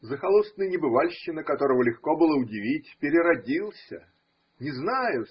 Захолустный небывальщина, которого легко было удивить, переродился. Не знаю.